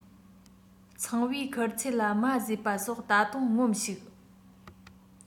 ཚངས པའི མཁུར ཚོས ལ རྨ བཟོས པ སོགས ད དུང ངོམས ཤིག